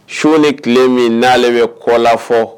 Su ni tile min n'ale bɛ kɔ la fɔ